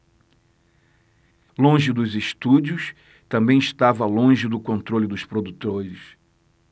longe dos estúdios também estava longe do controle dos produtores